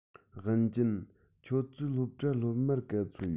ཝུན ཅུན ཁྱོད ཚོའི སློབ གྲྭར སློབ མ ག ཚོད ཡོད